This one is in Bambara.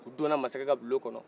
u donna masakɛ ka bulon kɔnɔ